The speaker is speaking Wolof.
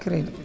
crédit